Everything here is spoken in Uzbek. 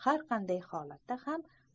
har qanday holatda ham